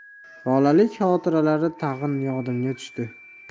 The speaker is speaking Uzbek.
bolalik xotiralari tag'in yodimga tushdi